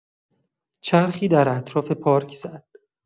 چرخی در اطراف پارک زد.